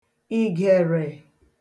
ìgèrè